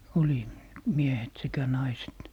oli miehet sekä naiset